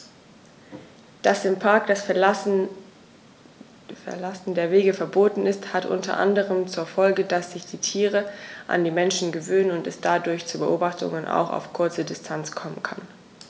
Dass im Park das Verlassen der Wege verboten ist, hat unter anderem zur Folge, dass sich die Tiere an die Menschen gewöhnen und es dadurch zu Beobachtungen auch auf kurze Distanz kommen kann.